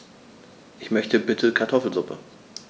Ich möchte bitte Kartoffelsuppe.